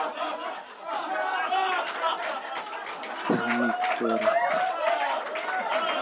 кэл ми тори